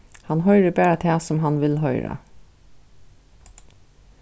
hann hoyrir bara tað sum hann vil hoyra